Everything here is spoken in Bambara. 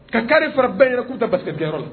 Ka gari fara bɛɛ yɛrɛ k'u ta bagɛyɔrɔ la